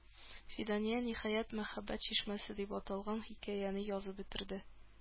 Фидания, ниһаять, "Мәхәббәт чишмәсе" дип аталган хикәяне язып бетерде.